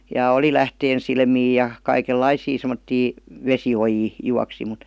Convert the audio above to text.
ja oli lähteensilmiä ja kaikenlaisia semmoisia vesiojia juoksi mutta